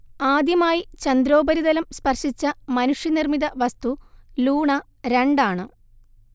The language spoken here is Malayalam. ആദ്യമായി ചന്ദ്രോപരിതലം സ്പർശിച്ച മനുഷ്യനിർമിത വസ്തു ലൂണ രണ്ട് ആണ്